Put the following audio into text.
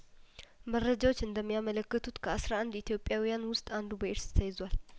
መረጃዎች እንደሚያመለክቱት ከአስራ አንድ ኢትዮጵያውያን ውስጥ አንዱ በኤድስ ተይዟል